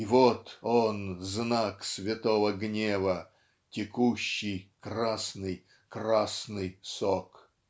О, вот он, знак Святого Гнева -- Текущий красный, красный сок!.